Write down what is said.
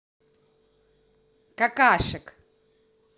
какашек